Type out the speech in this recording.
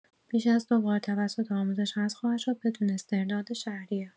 بیش از دو واحد توسط آموزش حذف خواهد شد، بدون استرداد شهریه